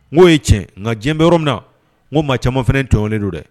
N'o ye tiɲɛ nka diɲɛ bɛ yɔrɔ min na n ko ma caman fana tɔlen don dɛ